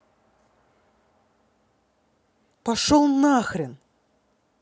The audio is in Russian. пошел нахрен